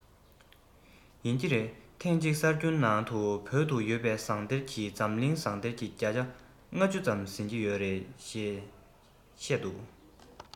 ཡིན གྱི རེད ཐེངས གཅིག གསར འགྱུར ནང དུ བོད དུ ཡོད པའི ཟངས གཏེར གྱིས འཛམ གླིང ཟངས གཏེར གྱི བརྒྱ ཆ ལྔ བཅུ ཟིན གྱི ཡོད ཟེར བཤད འདུག